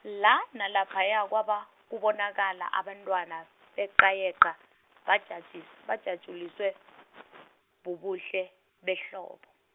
la nalaphaya kwabe, kubonakala abantwana, beqayeqa bajaji- bajatjuliswe, bubuhle behlobo.